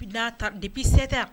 Bi da ta depsɛte